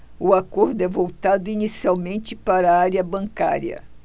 o acordo é voltado inicialmente para a área bancária